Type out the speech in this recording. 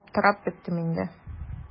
Аптырап беттем инде.